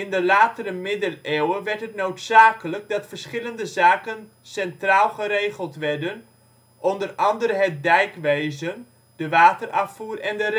de latere Middeleeuwen werd het noodzakelijk dat verschillende zaken centraal geregeld werden, onder andere het dijkwezen, de waterafvoer en de